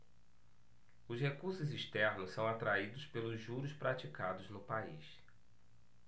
os recursos externos são atraídos pelos juros praticados no país